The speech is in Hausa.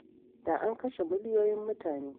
Da an kashe miliyoyin mutane.